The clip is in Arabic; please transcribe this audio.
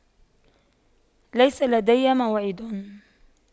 ليس لدي موعد